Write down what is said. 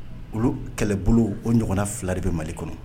Olu kɛlɛbolo o ɲɔgɔnna fila de bɛ mali kɔnɔ